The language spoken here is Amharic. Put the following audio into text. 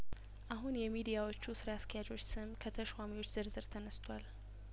አሁን የሚዲያዎቹ ስራ አስኪያጆች ስም ከተሿሚዎች ዝርዝር ተነስቷል